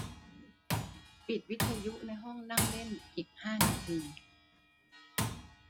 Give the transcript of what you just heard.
ปิดวิทยุในห้องนั่งเล่นอีกห้านาที